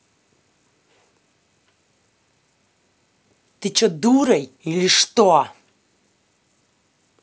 ты че дурой или что